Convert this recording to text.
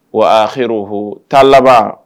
10 laban